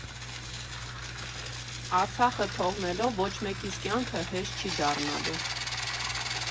Արցախը թողնելով՝ ոչ մեկիս կյանքը հեշտ չի դառնալու։